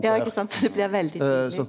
ja ikkje sant det blir veldig .